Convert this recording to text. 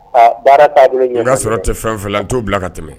Baara' y'a sɔrɔ tɛ fɛnfɛ la n t'u bila ka tɛmɛ